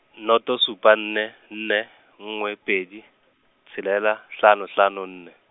noto supa nne, nne nngwe pedi, tshelela hlano hlano nne.